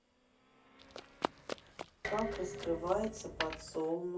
как раскрывается подсолнух